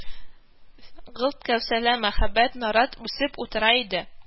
Гылт кәүсәле мәһабәт нарат үсеп утыра иде